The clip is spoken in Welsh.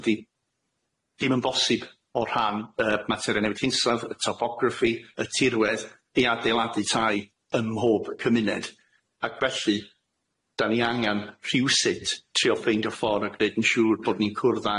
ydi dim yn bosib o rhan yy materie newydd hinsawdd y topography y tirwedd i adeiladu tai ym mhob cymuned ac felly da ni angan rhywsut trio ffeindio ffor a gneud yn siŵr bod ni'n cwrdd a